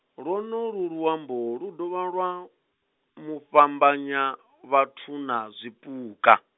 lwonolwu luambo lu dovha lwa, mufhambanyi, vhathuna zwipuka.